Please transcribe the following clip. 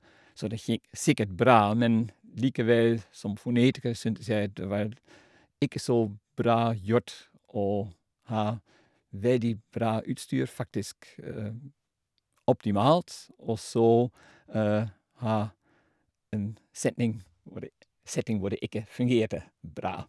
Så det gikk sikkert bra, men likevel, som fonetiker syntes jeg at det var l ikke så bra gjort å ha veldig bra utstyr, faktisk optimalt, og så ha en setning hvor det setting hvor det ikke fungerte bra.